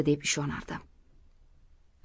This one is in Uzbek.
deb ishonardim